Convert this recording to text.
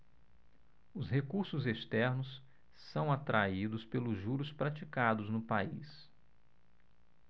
os recursos externos são atraídos pelos juros praticados no país